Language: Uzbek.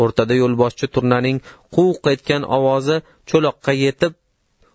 o'rtadan yo'lboshchi turnaning quvq etgan tovushi cho'loqqa yetib